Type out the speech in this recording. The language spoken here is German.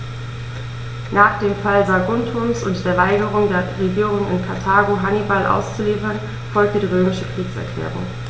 Nach dem Fall Saguntums und der Weigerung der Regierung in Karthago, Hannibal auszuliefern, folgte die römische Kriegserklärung.